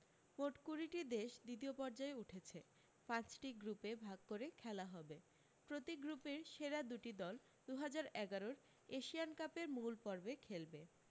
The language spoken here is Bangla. মোট কুড়ি টি দেশ দ্বিতীয় পর্যায়ে উঠেছে পাঁচটি গ্রুপে ভাগ করে খেলা হবে প্রতি গ্রুপের সেরা দু টি দল দু হাজার এগারর এশিয়ান কাপের মূল পর্বে খেলবে